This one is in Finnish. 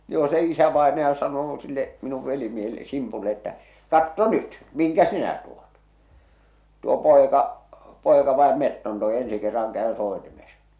joo se isävainaja sanoo sille minun velimiehelle Simpulle että katso nyt minkä sinä tuot tuo poika poika vain metson toi ensi kerran käy soitimessa